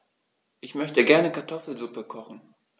Ich möchte gerne Kartoffelsuppe kochen.